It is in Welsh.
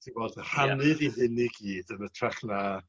Ti 'bod rhannu 'di hyn i gyd yn ytrach na